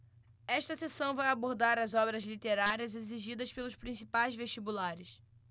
esta seção vai abordar as obras literárias exigidas pelos principais vestibulares